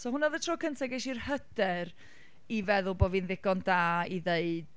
So hwnna oedd y tro cyntaf ges i’r hyder i feddwl bod fi'n ddigon da i ddeud...